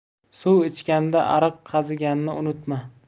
suv ichganda ariq qaziganni unutma